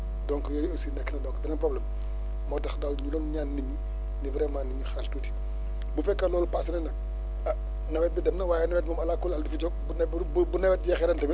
donc yooyu aussi nekk na donc beneen problème moo tax daal ñu doon ñaan nit ñi ne vraiment na ñu xaar tuuti bu fekkee loolu passé na nag ah nawet bi dem na waaye nawet moom allah kulli al du fi jóg bu na bu nawet jeexee ren tamit